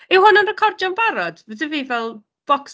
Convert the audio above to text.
Yw hwn yn recordio'n barod? Ma 'da fi fel, bocs.